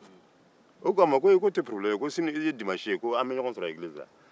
olu k'a ma k'o tɛ porobilemu k'an bɛ ɲɔgɔn sɔrɔ egilizi la sinin